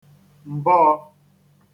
m̀bọọ̄